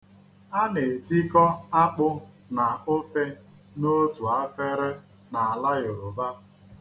A na-etikọ akpụ na ofe n'otu afere n'ala Yoruba.